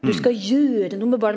du skal gjøre noe med.